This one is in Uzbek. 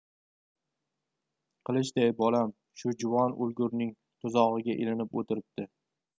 qilichday bolam shu juvon o'lgurning tuzog'iga ilinib o'tiribdi